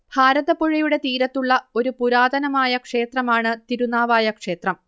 ഭാരതപ്പുഴയുടെ തീരത്തുള്ള ഒരു പുരാതനമായ ക്ഷേത്രമാണ് തിരുനാവായ ക്ഷേത്രം